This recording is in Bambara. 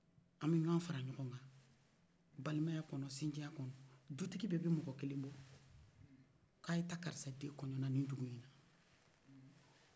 an bɛ ɲɔngɔn fara ɲɔngɔn kan balimaya kɔnɔ sinjiya kɔnɔ dutigi bɛ be mɔgɔ keken kelen bɔ ko a ye ta karisa ka kɔnɲɔn la ni dugu ɲinan